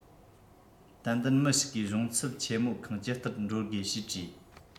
ཏན ཏན མི ཞིག གིས གཞུང ཚབ ཆེ མོ ཁང ཅི ལྟར འགྲོ དགོས ཞེས དྲིས